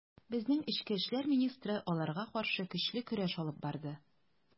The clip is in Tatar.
Безнең эчке эшләр министры аларга каршы көчле көрәш алып барды.